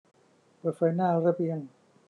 เปิดไฟหน้าระเบียง